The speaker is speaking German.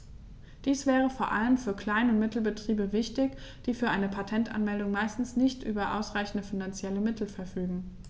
Dies wäre vor allem für Klein- und Mittelbetriebe wichtig, die für eine Patentanmeldung meistens nicht über ausreichende finanzielle Mittel verfügen.